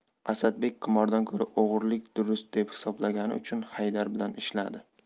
asadbek qimordan ko'ra o'g'irlik durust deb hisoblagani uchun haydar bilan ishladi